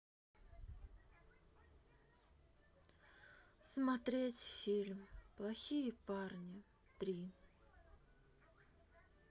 смотреть фильм плохие парни три